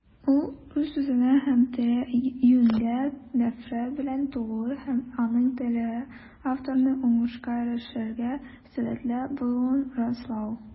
Ул үз-үзенә һәм тирә-юньгә нәфрәт белән тулы - һәм аның теләге: авторның уңышка ирешергә сәләтле булуын раслау.